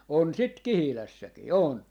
on sitten Kihilässäkin on